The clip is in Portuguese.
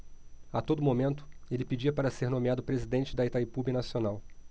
a todo momento ele pedia para ser nomeado presidente de itaipu binacional